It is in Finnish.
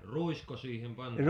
ruisko siihen pantiin